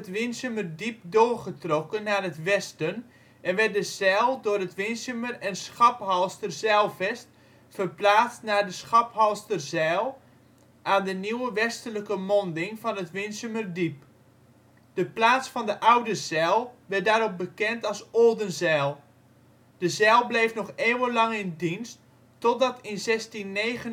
Winsumerdiep doorgetrokken naar het westen en werd de zijl door het Winsumer en Schaphalster zijlvest verplaatst naar de Schaphalsterzijl aan de nieuwe westelijke monding van het Winsumerdiep. De plaats van de oude zijl werd daarop bekend als ' Oldenzijl '. De zijl bleef nog eeuwenlang in dienst totdat in 1629 de